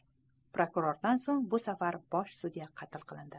prokurordan so'ng bu safar bosh sud'ya qatl qilindi